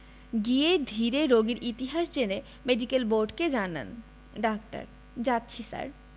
গিয়ে ধীরে রোগীর ইতিহাস জেনে মেডিকেল বোর্ডকে জানান ডাক্তার যাচ্ছি স্যার